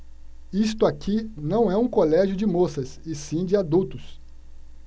isto aqui não é um colégio de moças e sim de adultos